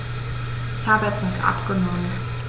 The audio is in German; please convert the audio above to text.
Ich habe etwas abgenommen.